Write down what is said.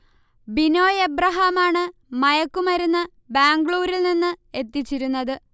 ബിനോയ് ഏബ്രഹാമാണ് മയക്കുമരുന്ന് ബാംഗ്ലൂരിൽ നിന്ന് എത്തിച്ചിരുന്നത്